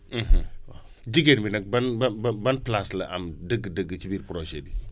waa jigéen bi nag ban ban ban place la am dëgg-dëgg ci biir projet bi